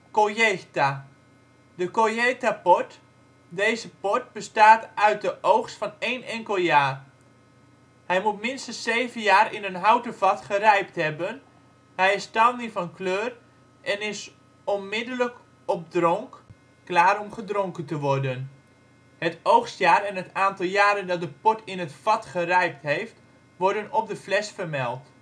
Colheita De Colheitaport. Deze port bestaat uit de oogst van één enkel jaar. Hij moet minstens zeven jaar in een houten vat gerijpt hebben. Hij is tawny van kleur en is onmiddellijk op dronk (= klaar om gedronken te worden). Het oogstjaar en het aantal jaren dat de port in het vat gerijpt heeft worden op de fles vermeld